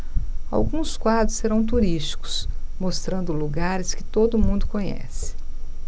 alguns quadros serão turísticos mostrando lugares que todo mundo conhece